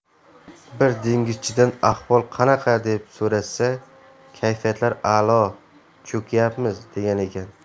bir dengizchidan ahvol qanaqa deb so'rashsa kayfiyatlar a'lo cho'kyapmiz degan ekan